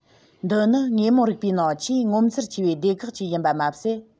འདི ནི དངོས མང རིག པའི ནང ཆེས ངོ མཚར ཆེ བའི སྡེ ཁག ཅིག ཡིན པ མ ཟད